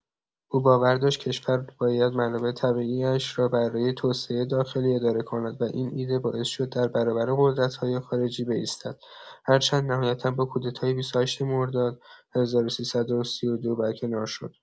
او باور داشت کشور باید منابع طبیعی‌اش را برای توسعه داخلی اداره کند و این ایده باعث شد در برابر قدرت‌های خارجی بایستد، هرچند نهایتا با کودتای ۲۸ مرداد ۱۳۳۲ برکنار شد.